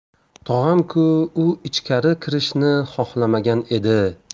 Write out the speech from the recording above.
tog'amku u ichkari kirishni xohlamagan edi